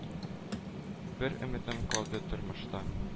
Бер өмитем калды тормышта: